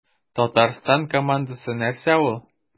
Татарстан командасы нәрсә ул?